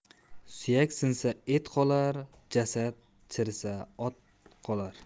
suyak sinsa et qolar jasad chirisa ot qolar